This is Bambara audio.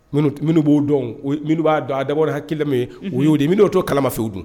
Minnu minnu b'o dɔn minnu b'a dɔn a dabɔ kelen min u y' de minnu'o to kalamaw dun